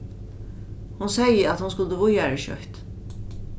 hon segði at hon skuldi víðari skjótt